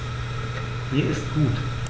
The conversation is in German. Mir ist gut.